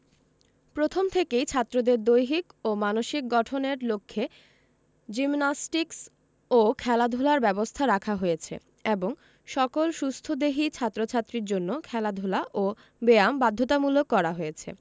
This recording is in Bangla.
প্রথম থেকেই ছাত্রদের দৈহিক ও মানসিক গঠনের লক্ষ্যে জিমনাস্টিকস ও খেলাধুলার ব্যবস্থা রাখা হয়েছে এবং সকল সুস্থদেহী ছাত্র ছাত্রীর জন্য খেলাধুলা ও ব্যায়াম বাধ্যতামূলক করা হয়েছে